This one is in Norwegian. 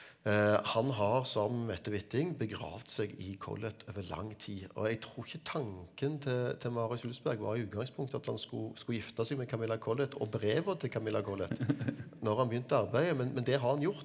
han har som Mette Witting begravd seg i Collett over lang tid og jeg tror ikke tanken til til Marius Wulfsberg var i utgangspunktet at han skulle skulle gifte seg med Camilla Collett og brevene til Camilla Collett når han begynte arbeidet men men det har han gjort.